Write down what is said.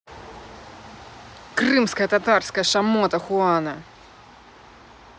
крымская татарская шамота хуана